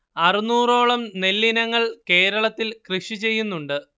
അറുന്നൂറോളം നെല്ലിനങ്ങൾ കേരളത്തിൽ കൃഷിചെയ്യുന്നുണ്ട്